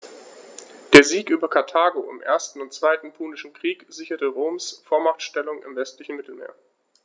Der Sieg über Karthago im 1. und 2. Punischen Krieg sicherte Roms Vormachtstellung im westlichen Mittelmeer.